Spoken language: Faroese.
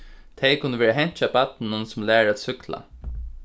tey kunnu vera hent hjá barninum sum lærir at súkkla